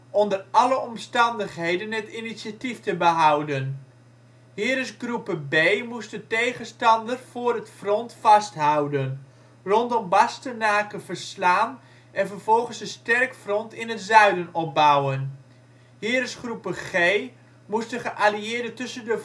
onder alle omstandigheden het initiatief te behouden. Heeresgruppe B moest de tegenstander voor het front vasthouden, rondom Bastenaken verslaan en vervolgens een sterk front in het zuiden opbouwen. Heeresgruppe G moest de geallieerden tussen de Vogezen